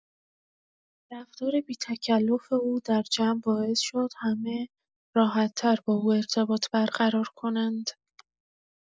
رفتار بی‌تکلف او در جمع باعث شد همه راحت‌تر با او ارتباط برقرار کنند.